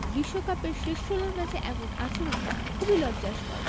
বিশ্বকাপের শেষ ষোলর ম্যাচে এমন আচরণ খুবই লজ্জাস্কর